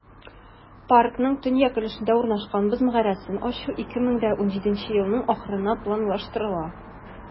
Паркның төньяк өлешендә урнашкан "Боз мәгарәсен" ачу 2017 елның ахырына планлаштырыла.